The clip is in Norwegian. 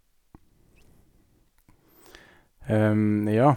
Nja.